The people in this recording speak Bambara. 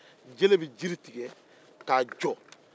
jele bɛ jiri tigɛ